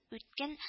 Үткен